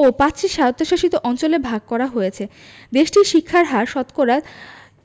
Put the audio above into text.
ও ৫ টি স্বায়ত্তশাসিত অঞ্চলে ভাগ করা হয়েছে দেশটির শিক্ষার হার শতকরা